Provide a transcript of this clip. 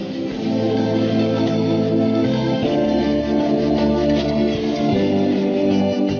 music